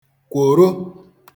kwòro